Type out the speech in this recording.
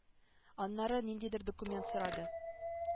Аннары ниндидер документ сорады